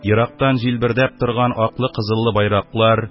, ерактан җилбердәп торган аклы-кызыллы байраклар